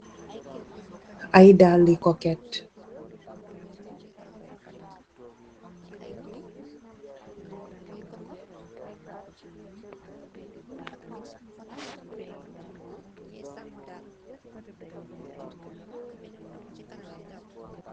Ay daali koket.